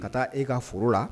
Ka taa e ka foro la.